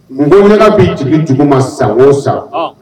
N mɔgɔ ne bin jigin dugu ma san o san